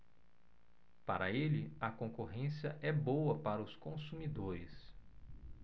para ele a concorrência é boa para os consumidores